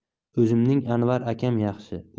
o'zimning anvar akam yaxshi